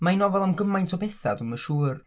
Mae'n nofel am gymaint o bethau dwi'm yn siŵr.